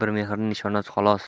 bir mehrning nishonasi xolos